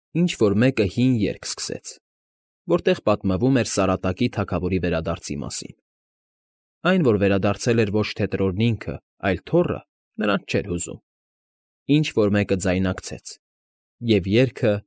Ինչ֊որ մեկը մի հին երգ սկսեց, որտեղ պատմվում էր Սարատակի թագավորի վերադարձի մասին (այն, որ վերադարձել էր ոչ թե Տրորն ինքը, այլ թոռը, նրանց չէր հուզում), ինչ֊որ մեկը ձայնարկեց, և երգը։